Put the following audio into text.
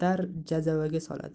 battar jazavaga soladi